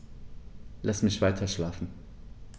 Lass mich weiterschlafen.